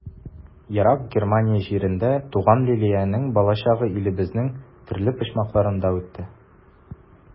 Ерак Германия җирендә туган Лилиянең балачагы илебезнең төрле почмакларында үтә.